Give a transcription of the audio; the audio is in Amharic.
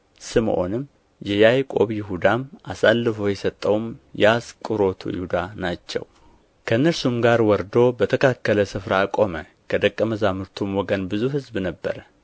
ስምዖንም የያዕቆብ ይሁዳም አሳልፎ የሰጠውም የአስቆሮቱ ይሁዳ ናቸው ከእነርሱም ጋር ወርዶ በተካከለ ስፍራ ቆመ ከደቀ መዛሙርቱም ወገን ብዙ ሕዝብ ነበረ